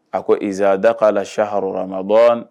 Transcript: A koo izaa dakala saharu ramadaani